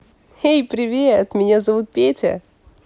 эй привет меня зовут петя